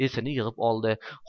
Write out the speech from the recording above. esini yig'ib oldi